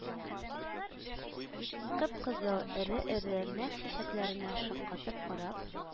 Кып-кызыл эре-эре мәк чәчәкләренә шаккатып карап